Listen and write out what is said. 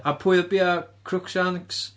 A pwy oedd biau Crookshanks?